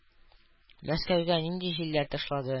Мәскәүгә нинди җилләр ташлады?